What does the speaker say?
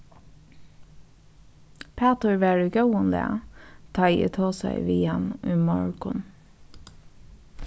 pætur var ikki í góðum lag tá ið eg tosaði við hann í morgun